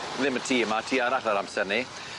Ddim y tŷ yma, tŷ arall ar amser 'ny.